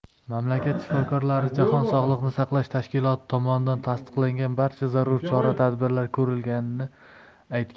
mamlakat shifokorlari jahon sog'liqni saqlash tashkiloti tomonidan tasdiqlangan barcha zarur chora tadbirlar ko'rilganini aytgan